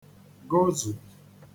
gozù